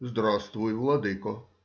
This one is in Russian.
— Здравствуй, владыко!